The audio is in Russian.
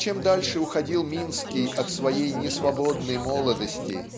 чем дальше уходил Минский от своей несвободной молодости